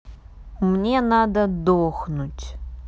мне надо дохнуть